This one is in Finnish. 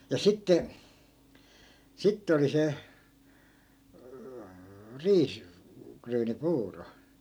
ja sitten sitten oli se - riisiryynipuuro